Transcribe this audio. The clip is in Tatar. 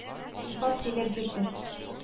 Илфат сөйләп бирде